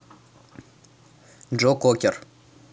джо кокер